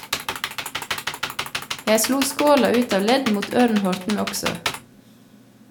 - Jeg slo skåla ut av ledd mot Ørn-Horten også.